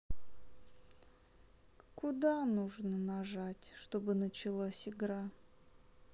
куда нужно нажать чтобы началась игра